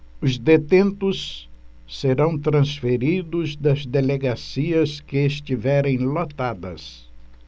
os detentos serão transferidos das delegacias que estiverem lotadas